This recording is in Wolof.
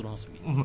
dëgg la